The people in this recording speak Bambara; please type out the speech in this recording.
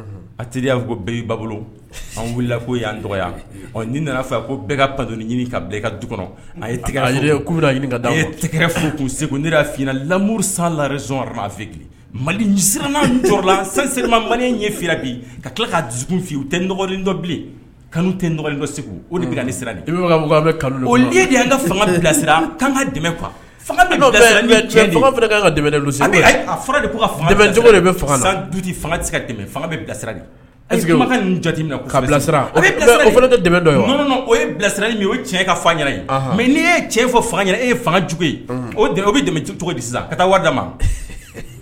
A teri'a ko boloan dɔgɔ ni nana ka pand ka du kɔnɔ aɛrɛ furumuru san lare mali siran mali bi ka tila ka fi u tɛ kanu tɛ segu siran de an ka' ka bɛ fanga du ka bɛ bilasira ayi jate dɛ o ye bilasira o cɛ ka ye mɛ'i ye cɛ fɔ fanga e ye fangacogo ye cogo ka taada ma